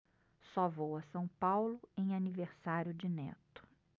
só vou a são paulo em aniversário de neto